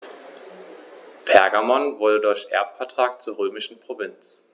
Pergamon wurde durch Erbvertrag zur römischen Provinz.